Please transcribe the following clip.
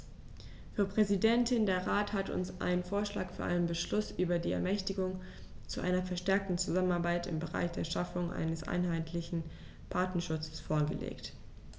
Frau Präsidentin, der Rat hat uns einen Vorschlag für einen Beschluss über die Ermächtigung zu einer verstärkten Zusammenarbeit im Bereich der Schaffung eines einheitlichen Patentschutzes vorgelegt.